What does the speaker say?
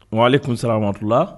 Waleykoum salam ramatula.